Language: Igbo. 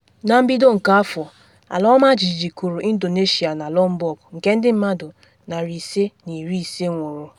Na mbido nke afọ ala ọmajiji kụrụ Indonesia na Lombok nke ndị mmadụ 550 nwụrụ.